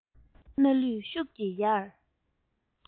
སྣ ལུད ཤུགས ཀྱིས ཡར